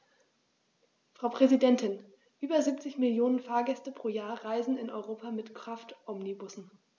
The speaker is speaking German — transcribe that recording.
Frau Präsidentin, über 70 Millionen Fahrgäste pro Jahr reisen in Europa mit Kraftomnibussen.